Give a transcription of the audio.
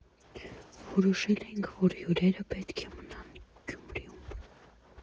Ու որոշել էինք, որ հյուրերը պետք է մնան Գյումրիում։